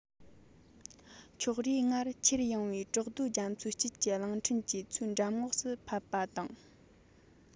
འཁྱགས རིས སྔར ཁྱེར འོངས པའི བྲག རྡོ རྒྱ མཚོའི དཀྱིལ གྱི གླིང ཕྲན གྱི མཚོའི འགྲམ ངོགས སུ ཕབ པ དང